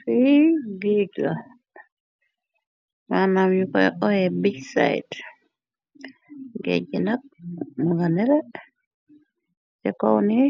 Fie gigla manam yu koy oyé bijside géej ji nak mu nga nere ci kowni